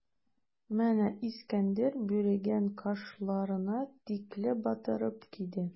Менә Искәндәр бүреген кашларына тикле батырып киде.